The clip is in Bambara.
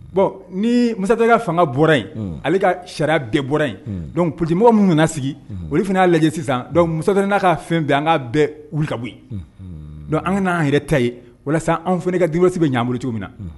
Bon ni mu ka fanga bɔra yen ale ka sariya bɛɛ bɔra yen pmɔgɔ minnu nana sigi olu fana'a lajɛ sisan muso n'a ka fɛn bɛ an ka bɛɛ wuli ka bɔ yen don an ka n'an yɛrɛ ta ye walasa an fana ka dusi bɛ ɲan bolo cogo min na